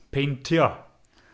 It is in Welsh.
Peintio.